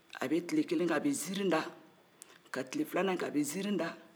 a bɛ kile kelen kɛ a bɛ ziiiri da ka tile filana kɛ a bɛ ziiri da